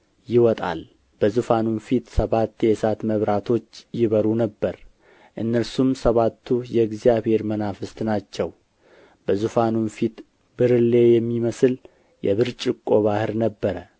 ይወጣል በዙፋኑም ፊት ሰባት የእሳት መብራቶች ይበሩ ነበር እነርሱም ሰባቱ የእግዚአብሔር መናፍስት ናቸው በዙፋኑም ፊት ብርሌ የሚመስል የብርጭቆ ባሕር ነበረ